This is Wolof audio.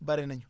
bare nañ